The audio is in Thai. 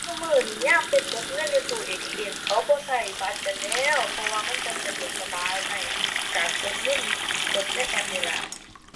ซุมื้อนี้ยามไปกดเงินอยู่ตู้ ATM เขาบ่ใช้บัตรกันแล้ว เพราะว่ามันจั่งสะดวกสบาย ใช้การกดเงินสดในแอปนี่ล่ะ